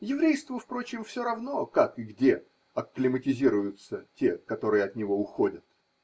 Еврейству, впрочем, все равно, как и где акклиматизируются те, которые от него уходят.